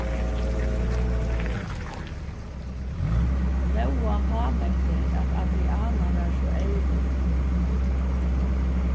nóa hámetti at adriana var so erlig